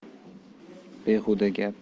behuda gap